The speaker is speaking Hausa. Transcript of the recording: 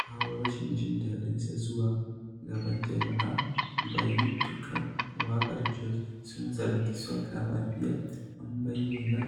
Kawo rashin jin daɗinsa zuwa gaban jama'a, baitukan waƙar George sun zargi "soca mafia" - an bayyana